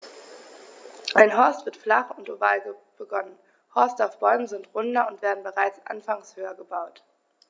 Ein Horst wird flach und oval begonnen, Horste auf Bäumen sind runder und werden bereits anfangs höher gebaut.